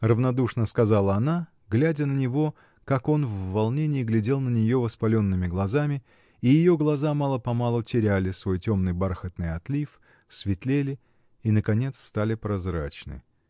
— равнодушно сказала она, глядя на него, как он в волнении глядел на нее воспаленными глазами, и ее глаза мало-помалу теряли свой темный бархатный отлив, светлели и наконец стали прозрачны.